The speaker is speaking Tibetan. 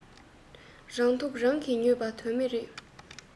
རང སྡུག རང གིས ཉོས པ དོན མེད རེད